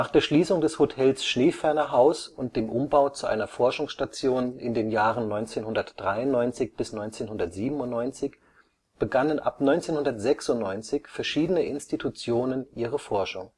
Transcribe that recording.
der Schließung des Hotels Schneefernerhaus und dem Umbau zu einer Forschungsstation (1993 – 1997), begannen ab 1996 verschiedene Institutionen ihre Forschung